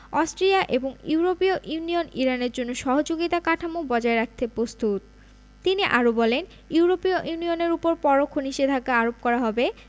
Austria এবং ইউরোপীয় union ইরানের জন্য সহযোগিতা কাঠামো বজায় রাখতে প্রস্তুত তিনি আরও বলেন ইউরোপীয় ইউনিয়নের ওপর পরোক্ষ নিষেধাজ্ঞা আরোপ করা হবে